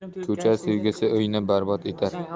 ko'cha sevgisi uyni barbod etar